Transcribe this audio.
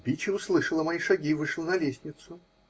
Биче услышала мои шаги и вышла на лестницу.